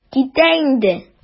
Китә инде.